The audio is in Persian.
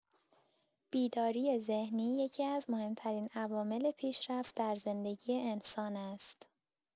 بیداری ذهنی یکی‌از مهم‌ترین عوامل پیشرفت در زندگی انسان است.